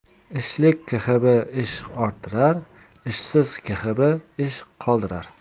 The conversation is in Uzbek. ishlik kehb ish orttirar ishsiz kehb ish qoldirar